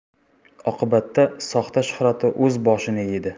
oqibatda soxta shuhrati o'z boshini yedi